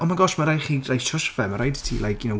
Oh my gosh mae rhaid chi trio trwsio fe. Mae rhaid ti like you know...